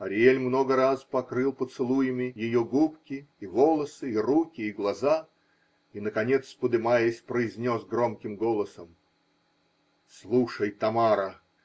Ариэль много раз покрыл поцелуями ее губки и волосы, и руки, и глаза и, наконец, подымаясь, произнес громким голосом: -- Слушай, Тамара.